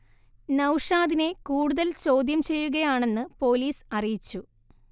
നൗഷാദിനെ കൂടുതൽ ചോദ്യം ചെയ്യുകയാണെന്ന് പോലീസ് അറിയിച്ചു